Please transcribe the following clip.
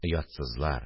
Оятсызлар